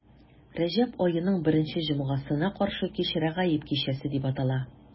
Рәҗәб аеның беренче җомгасына каршы кич Рәгаиб кичәсе дип атала.